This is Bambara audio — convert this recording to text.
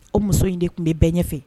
O muso in de tun bɛ bɛn ɲɛfɛ